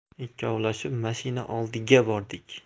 ikkovlashib mashina oldiga bordik